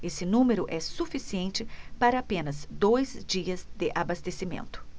esse número é suficiente para apenas dois dias de abastecimento